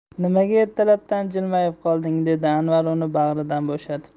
nimaga ertalabdan jilmayib qolding dedi anvar uni bag'ridan bo'shatib